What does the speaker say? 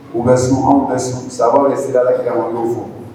U bɛ sun anw sababu bɛ sira laki' fo